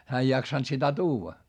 hän ei jaksanut sitä tuoda